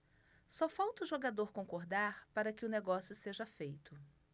só falta o jogador concordar para que o negócio seja feito